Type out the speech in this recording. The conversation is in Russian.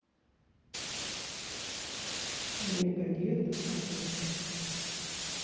мегадет акустик